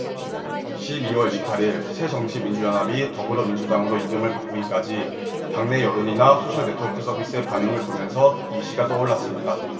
십 이 월 이십 팔 일 새정치민주연합이 더불어민주당으로 이름을 바꾸기까지 당내 여론이나 소셜네트워크서비스의 반응을 보면서 이 시가 떠올랐습니다